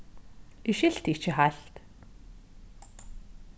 eg skilti ikki heilt